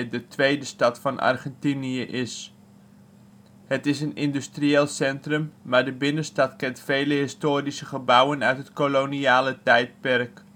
de tweede stad van Argentinië is. Het is een industrieel centrum, maar de binnenstad kent vele historische gebouwen uit het koloniale tijdperk